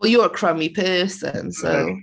Well you're a crummy person so...